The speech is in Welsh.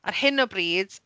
Ar hyn o bryd